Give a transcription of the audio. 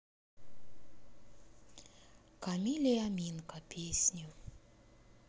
камиль и аминка песни